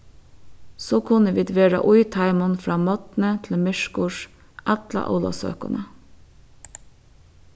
so kunnu vit vera í teimum frá morgni til myrkurs alla ólavsøkuna